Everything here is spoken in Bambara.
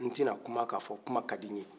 n ti na kuma ka fɔ ko kuma kadi ɲe